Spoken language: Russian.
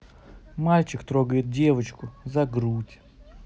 мальчик трогает девушку за грудь